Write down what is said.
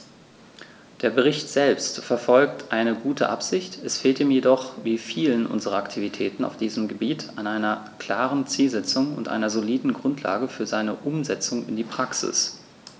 Der Bericht selbst verfolgt eine gute Absicht, es fehlt ihm jedoch wie vielen unserer Aktivitäten auf diesem Gebiet an einer klaren Zielsetzung und einer soliden Grundlage für seine Umsetzung in die Praxis.